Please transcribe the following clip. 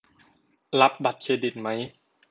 รับบัตรเครดิตไหม